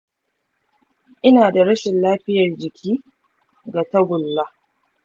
ina da rashin lafiyar jiki ga tagulla.